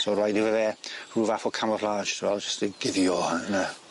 So raid iddo fe ryw fath o camoflage ti wel' jyst i guddio yna.